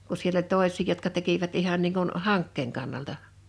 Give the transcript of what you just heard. kun siellä oli toisia jotka tekivät ihan niin kuin hankkeen kannalta